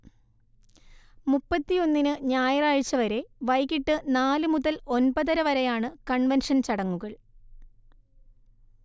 മുപ്പത്തിയൊന്നിന് ഞായറാഴ്ചവരെ വൈകീട്ട് നാല് മുതൽ ഒൻപതരവരെയാണ് കൺവെൻഷൻ ചടങ്ങുകൾ